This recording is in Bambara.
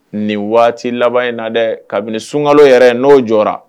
Nin waati laban in na dɛ kabini sunkalo yɛrɛ ye n'o jɔra